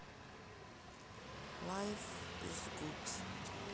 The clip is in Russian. лайф из гуд